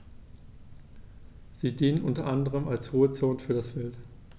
Sie dienen unter anderem als Ruhezonen für das Wild.